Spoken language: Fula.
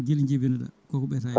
guila jibinaɗa koko ɓeeta e ma